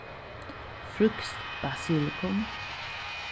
frískt basilikum